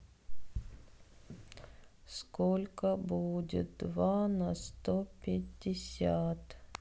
сколько будет два на сто пятьдесят